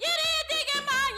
Yatigi ba